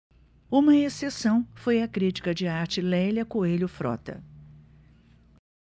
uma exceção foi a crítica de arte lélia coelho frota